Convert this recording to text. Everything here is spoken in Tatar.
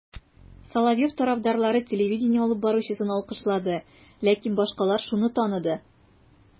Соловьев тарафдарлары телевидение алып баручысын алкышлады, ләкин башкалар шуны таныды: